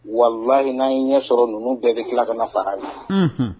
Wa laren in ɲɛ sɔrɔ ninnu bɛɛ bɛ tila ka na fara ye